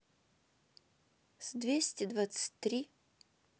с двести двадцать три